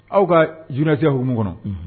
Aw ka journaliste ya humu kɔnɔ, unhun